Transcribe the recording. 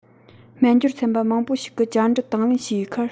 སྨྱན སྦྱོར ཚན པ མང པོ ཞིག གི བཅར འདྲི དང ལེན བྱས པའི ཁར